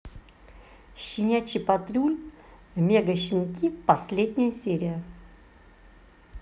щенячий патруль мега щенки последняя серия